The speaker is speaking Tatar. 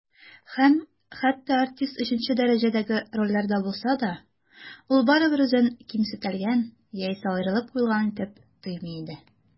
Һәм хәтта артист өченче дәрәҗәдәге рольләрдә булса да, ул барыбыр үзен кимсетелгән яисә аерылып куелган итеп тоймый иде.